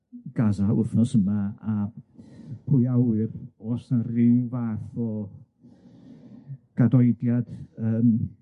Gaza wthnos yma a pwy a wyr o's 'na ryw fath o gadoediad yym